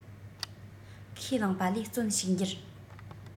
ཁས བླངས པ ལས བརྩོན ཕྱུག འགྱུར